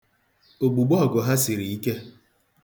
Ogbugbo ọgụ ha siri ike.